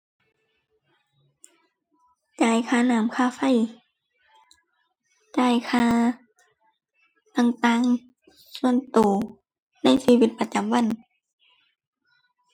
จ่ายค่าน้ำค่าไฟ จ่ายค่าต่างต่างส่วนตัวในชีวิตประจำวัน